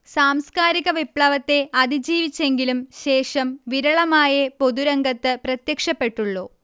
സാംസ്കാരിക വിപ്ലവത്തെ അതിജീവിച്ചെങ്കിലും ശേഷം വിരളമായെ പൊതുരംഗത്ത് പ്രത്യ്ക്ഷപ്പെട്ടുള്ളൂ